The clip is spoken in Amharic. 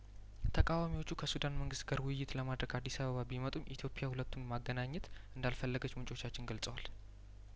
ተቃዋሚዎቹ ከሱዳን መንግስት ጋር ውይይት ለማድረግ አዲስ አበባ ቢመጡም ኢትዮፕያሁለቱን ማገናኘት እንዳል ፈለገችምንጮቻችን ገልጸዋል